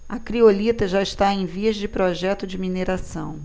a criolita já está em vias de projeto de mineração